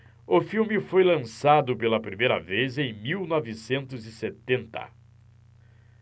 o filme foi lançado pela primeira vez em mil novecentos e setenta